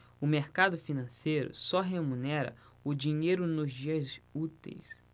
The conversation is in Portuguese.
o mercado financeiro só remunera o dinheiro nos dias úteis